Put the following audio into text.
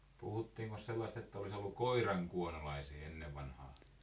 puhuttiinkos sellaista että olisi ollut koirankuonolaisia ennen vanhaan